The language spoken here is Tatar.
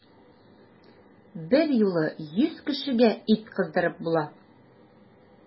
Берьюлы йөз кешегә ит кыздырып була!